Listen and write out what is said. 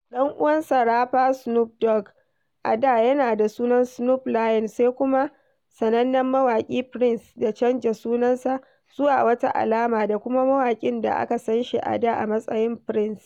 Ɗan uwansa rapper Snoop Dogg a da yana da sunan Snoop Lion sai kuma sanannen mawaƙi Prince, da canza sunansa zuwa wata alama da kuma mawaƙin da aka san shi a da a matsayin Prince.